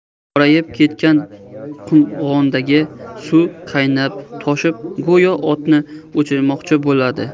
qorayib ketgan qumg'ondagi suv qaynab toshib go'yo o'tni o'chirmoqchi bo'ladi